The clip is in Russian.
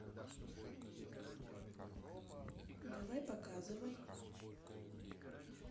давай показывай